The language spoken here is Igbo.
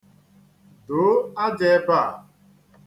Doo aja ebe a.